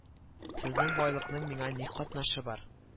Сезнең байлыкның миңа ни катнашы бар